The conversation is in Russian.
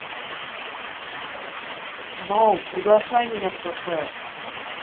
no приглашай меня в кафе